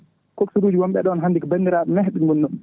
coxeur wonɓe ɗon hande ko bandiraɓe mehɓe gooni ɗon